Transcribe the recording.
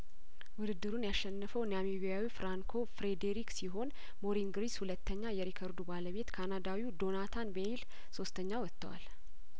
ውድድሩን ያሸነፈ ውናሚቢያዊው ፍራንኮ ፍሬዴሪክ ሲሆን ሞሪን ግሪስ ሁለተኛ የሪከርዱ ባለቤት ካናዳዊው ዶናታን ቤይሊ ሶስተኛ ወጥተዋል